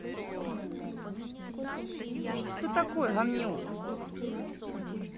кто такой говнюк